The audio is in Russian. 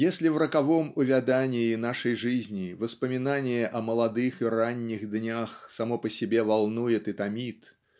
Если в роковом увядании нашей жизни воспоминание о молодых и ранних днях само по себе волнует и томит